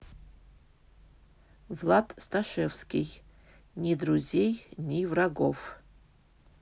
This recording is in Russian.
влад сташевский ни друзей ни врагов